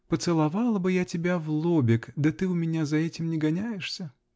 Поцеловала бы я тебя в лобик, да ты у меня за этим не гоняешься.